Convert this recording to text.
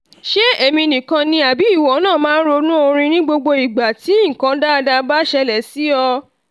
Ṣé èmi nìkan ni àbí ìwọ náà máa ronú orin ní gbogbo ìgbà tí nǹkan dáadáa bá ṣẹlẹ̀ sí ọ.